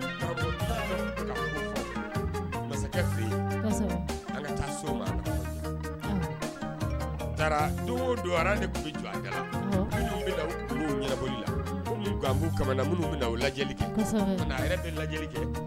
An taa taara don de tun bɛ jɔ minnu lajɛ yɛrɛ bɛ lajɛ kɛ